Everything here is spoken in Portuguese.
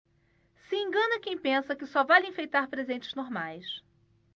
se engana quem pensa que só vale enfeitar presentes normais